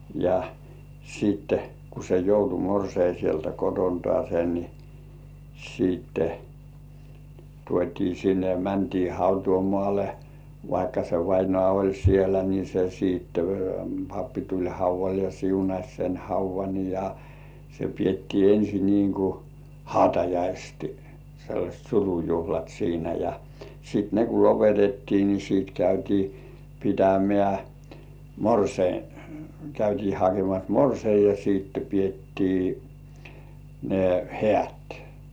ja sitten kun se joutui morsian sieltä kotoaan niin sitten tuotiin sinne ja mentiin hautausmaalle vaikka se vainaja oli siellä niin se sitten pappi tuli haudalle ja siunasi sen haudan ja se pidettiin ensin niin kuin hautajaisten sellaiset surujuhlat siinä ja sitten ne kun lopetettiin niin sitten käytiin pitämään morsian käytiin hakemassa morsian ja sitten pidettiin ne häät